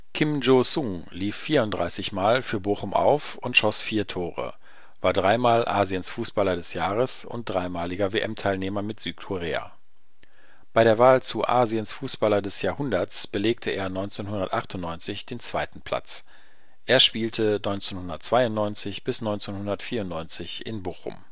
Kim Joo-sung, lief 34 mal für Bochum auf und schoß 4 Tore, war drei Mal Asiens Fußballer des Jahres und dreimaliger WM-Teilnehmer (mit Südkorea). Bei der Wahl zu Asiens Fußballer des Jahrhunderts belegte er 1998 den 2. Platz. Er spielte 1992 bis 1994 in Bochum